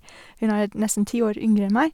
Hun er dn nesten ti år yngre enn meg.